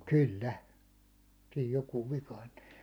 kyllä siinä joku vikaantui